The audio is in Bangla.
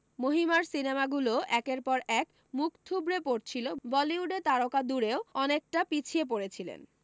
মহিমার সিনেমাগুলোও একের পর এক মুখ থুবড়ে পড়ছিল বলিউডে তারকা দুড়েও অনেকটা পিছিয়ে পড়েছিলেন